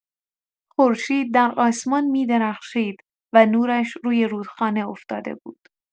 خورشید در آسمان می‌درخشید و نورش روی رودخانه افتاده بود.